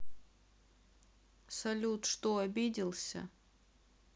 салют что обиделся